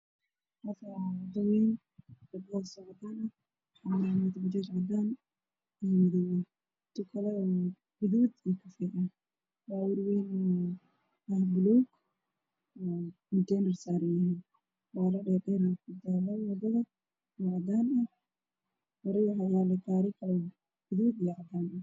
Waa meel walba waxaa maraayo bajaaj cadaan bajaaj guduud meesha waa ciid caddaan